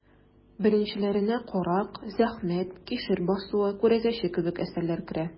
Беренчеләренә «Карак», «Зәхмәт», «Кишер басуы», «Күрәзәче» кебек әсәрләр керә.